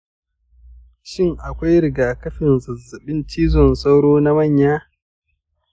shin akwai rigakafin zazzaɓin cizon sauro na manya?